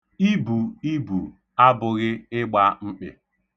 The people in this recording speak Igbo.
Ibu ibu abụghị ịgba mkpị.